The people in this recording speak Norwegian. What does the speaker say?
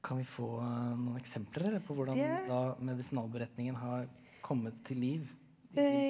kan vi få noen eksempler eller på hvordan da medisinalberetningen har kommet til liv?